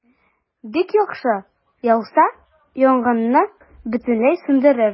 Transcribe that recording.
Бик яхшы, яуса, янгынны бөтенләй сүндерер.